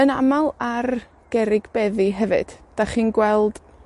Yn amal ar gerrig beddi hefyd, 'dach chi'n gweld,